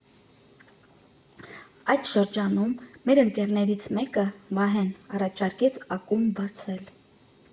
Այդ շրջանում մեր ընկերներից մեկը՝ Վահեն, առաջարկեց ակումբ բացել։